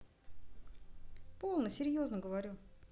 полно серьезно говорю